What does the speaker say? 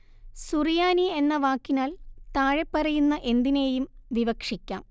സുറിയാനി എന്ന വാക്കിനാല്‍ താഴെപ്പറയുന്ന എന്തിനേയും വിവക്ഷിക്കാം